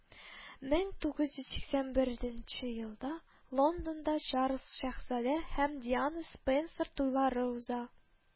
Мең тугыз йөз сиксән берленче лондонда чарльз шаһзадә һәм диана спенсер туйлары уза